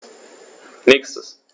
Nächstes.